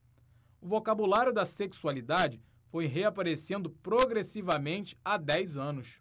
o vocabulário da sexualidade foi reaparecendo progressivamente há dez anos